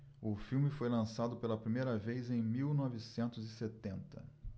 o filme foi lançado pela primeira vez em mil novecentos e setenta